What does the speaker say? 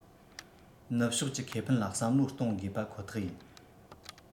ནུབ ཕྱོགས ཀྱི ཁེ ཕན ལ བསམ བློ གཏོང དགོས པ ཁོ ཐག ཡིན